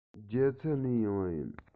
རྒྱ ཚ ནས ཡོང བ ཡིན